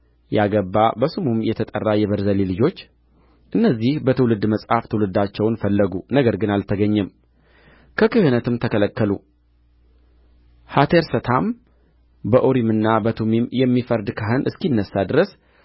ያገባ በስሙም የተጠራ የቤርዜሊ ልጆች እነዚህ በትውልድ መጽሐፍ ትውልዳቸውን ፈለጉ ነገር ግን አልተገኘም ከክህነትም ተከለከሉ ሐቴርሰታም በኡሪምና በቱሚም የሚፈርድ ካህን እስኪነሣ ድረስ